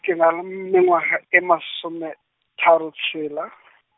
ke nyalwe m- mengwaga e masometharo tshela .